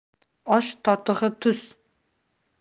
osh totig'i tuz